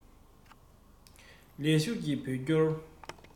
ལས ཞུགས ཀྱི བོད སྐྱོར